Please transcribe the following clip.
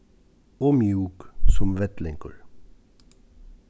og mjúk sum vellingur